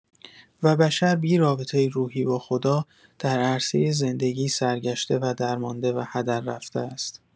و بشر بی‌رابطۀ روحی با خدا، در عرصۀ زندگی سرگشته و درمانده و هدر رفته است؛